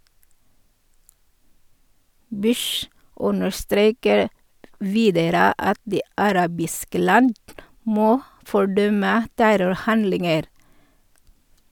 Bush understreker videre at de arabiske land må fordømme terrorhandlinger.